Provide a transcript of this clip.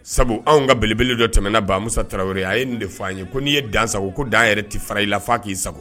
Sabula anw ka belebele dɔ tɛmɛnna Bamusa Tarawele,i a ye nin de f'an ye ko n'i ye dan sago ko dan yɛrɛ tɛ fara i la f'a k'i sago.